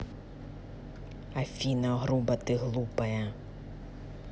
афина грубо ты глупая